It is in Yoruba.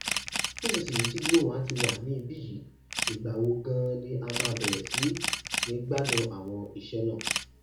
Nísìnyìí tí Glo-1 ti wà ní ibì yìí, ìgbà wo gan ni a máa bẹ̀rẹ̀ sí ní gbádùn àwọn iṣẹ́ náà?